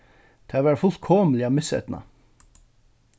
tað var fullkomiliga miseydnað